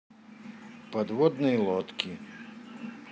подводные лодки